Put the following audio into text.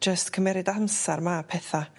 jyst cymerid amsar ma' petha